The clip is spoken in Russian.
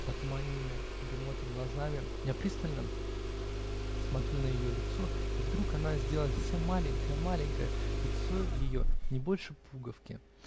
Отуманенными дремотой глазами я пристально смотрю на ее лицо, и вдруг она сделалась вся маленькая, маленькая -- лицо ее не больше пуговки